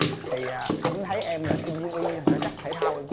thì anh thấy em là sinh viên y thành ra chắc thể thao